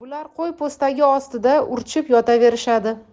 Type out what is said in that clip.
bular qo'y po'stagi ostida urchib yotaverishadi